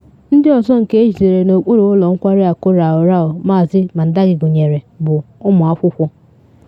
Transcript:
Ndị ọzọ nke ejidere n’okpuru Ụlọ Nkwari Akụ Roa Roa, Maazị Mandagi gụnyere, bụ ụmụ akwụkwọ.